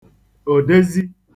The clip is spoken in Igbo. òdezi